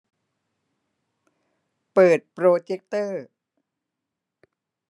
เปิดโปรเจกเตอร์